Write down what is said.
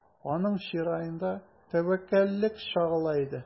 Аның чыраенда тәвәккәллек чагыла иде.